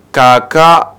K'a ka